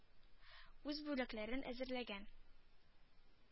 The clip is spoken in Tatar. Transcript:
Үз бүләкләрен әзерләгән